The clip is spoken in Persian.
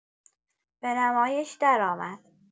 به نمایش درآمد.